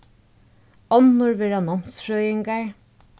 onnur verða námsfrøðingar